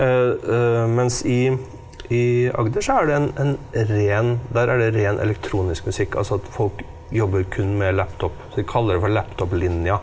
mens i i Agder så er det en en ren der er det ren elektronisk musikk, altså at folk jobber kun med laptop, så de kaller det for laptoplinja.